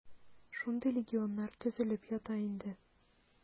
Шундый легионнар төзелеп ята инде.